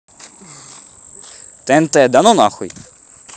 тнт да ну нахуй